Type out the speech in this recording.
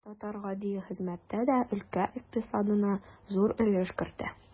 Татар гади хезмәттә дә өлкә икътисадына зур өлеш кертә.